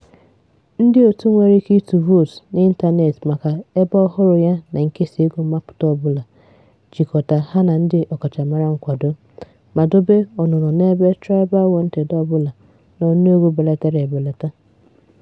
Ndịòtù nwere ike ịtụ vootu n'ịntanetị maka ebe ọhụrụ ya na nkesa ego mmapụta ọbụla, jikọta ha na ndị ọkachamara nkwado, ma dobe ọnụnọ n'ebe TribeWanted ọbụla n'ọnụego belatara ebelata.